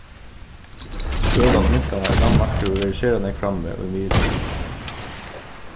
gølan um minkarnar í danmark hevur verið sera nógv frammi í miðlunum